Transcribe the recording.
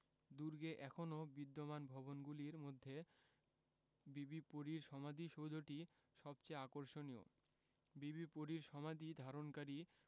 দুর্গে এখনও বিদ্যমান ভবনগুলির মধ্যে বিবি পরীর সমাধিসৌধটি সবচেয়ে আকর্ষণীয় বিবি পরীর সমাধি ধারণকারী